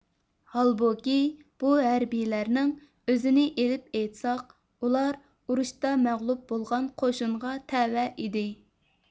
ھالبۇكى بۇ ھەربىيلەرنىڭ ئۆزىنى ئېلىپ ئېيتساق ئۇلار ئۇرۇشتا مەغلۇپ بولغان قوشۇنغا تەۋە ئىدى